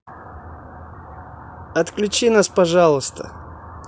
отключи нас пожалуйста